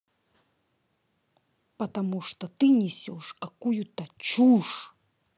потому что ты несешь какую то чушь